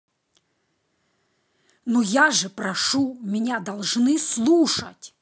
ну я же прошу меня должны слушать